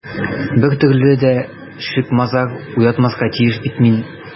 Бер төрле дә шик-мазар уятмаска тиеш бит мин...